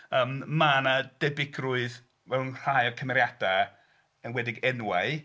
Yym mae 'na debygrwydd mewn rhai o'r cymeriadau yn enwedig enwau.